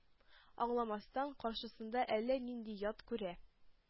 Аңламастан, каршысында әллә нинди «ят» күрә.